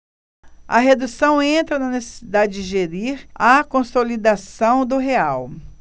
a redução entra na necessidade de gerir a consolidação do real